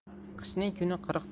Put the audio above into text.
qishning kuni qirq